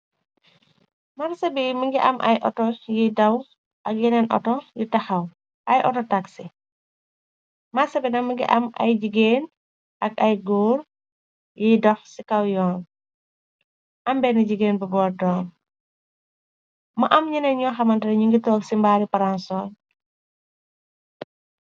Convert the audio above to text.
Marche bi mi ngi am ay auto yiy daw ak yeneen auto yu texaw, ay auto taxi. Marche bi nak mu ngi am ay jigéen ak ay góor yiy dox ci kaw yoon, am benna jigéen bu bootdoom, am ñene ñu xamantre ñu ngi toog ci mbaari parasor.